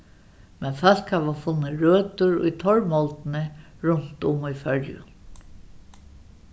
men fólk hava funnið røtur í torvmoldini runt um í føroyum